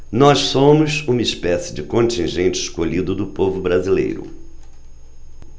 nós somos uma espécie de contingente escolhido do povo brasileiro